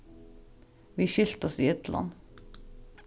vit skiltust í illum